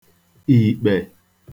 ìkpè